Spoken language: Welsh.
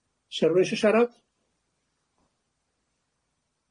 Sa rhwun 'sho siarad?